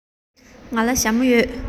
ང ལ ཞྭ མོ ཡོད